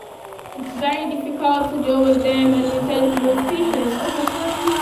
It’s very difficult to deal with them and we tend to lose patience over time.